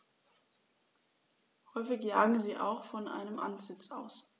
Häufig jagen sie auch von einem Ansitz aus.